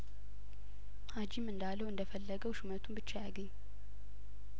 ሀጂም እንዳው እንደፈለገው ሹመቱን ብቻ ያግኝ